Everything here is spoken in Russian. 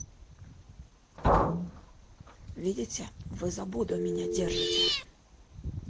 видите вы забуду меня держите